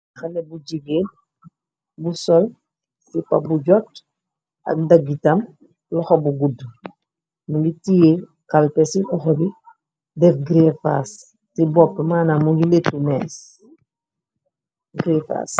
Haley bu jigeen mu sol sipa bu jott ak dagitam, loho bu guddu. Mungi tè kalpeh ci loho bi, deff gerèfas ci boppu. Manam mung lettu mèss, gerèfas.